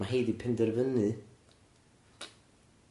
Ma' hi 'di penderfynu?